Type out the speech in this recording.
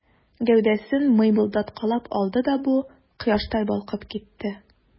Гәүдәсен мыймылдаткалап алды да бу, кояштай балкып китте.